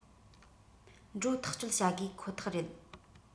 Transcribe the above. འགྲོ ཐག གཅོད བྱ དགོས ཁོ ཐག རེད